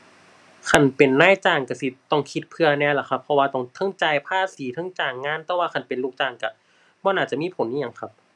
คันเป็นนายจ้างก็สิต้องคิดเผื่อแหน่ล่ะครับ เพราะว่าต้องเทิงจ่ายภาษี เทิงจ้างงาน แต่ว่าคันเป็นลูกจ้างก็บ่น่าจะมีผลอิหยังครับ